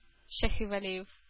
Шаһивәлиев